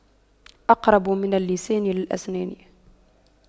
أقرب من اللسان للأسنان